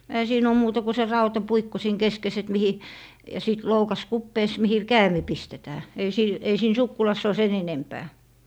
eihän siinä ole muuta kuin se rautapuikko siinä keskessä että mihin ja sitten loukas kupeessa mihin käämi pistetään ei siinä ei siinä sukkulassa ole sen enempää